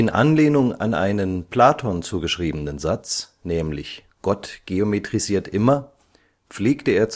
Anlehnung an einen Platon zugeschriebenen Satz (griechisch Ὁ Θεὸς ἀεὶ γεωμετρεῖ, „ Gott geometrisiert immer “) pflegte er